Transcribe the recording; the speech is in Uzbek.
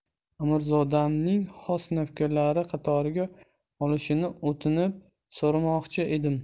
amirzodamning xos navkarlari qatoriga olinishini o'tinib so'ramoqchi edim